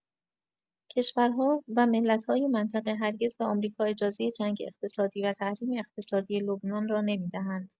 کشورها و ملت‌های منطقه هرگز به آمریکا اجازه جنگ اقتصادی و تحریم اقتصادی لبنان را نمی‌دهند.